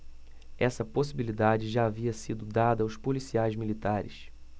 essa possibilidade já havia sido dada aos policiais militares